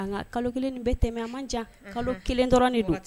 Nka kalo kelen nin bɛɛ tɛmɛ an man jan kalo kelen dɔrɔn de don